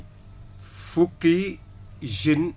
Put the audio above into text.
fukki jeunes